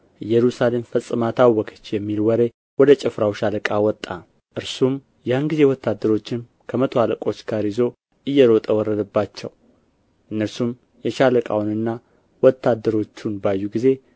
ኢየሩሳሌም ፈጽማ ታወከች የሚል ወሬ ወደ ጭፍራው ሻለቃ ወጣ እርሱም ያን ጊዜ ወታደሮችን ከመቶ አለቆች ጋር ይዞ እየሮጠ ወረደባቸው እነርሱም የሻለቃውንና ወታደሮችን ባዩ ጊዜ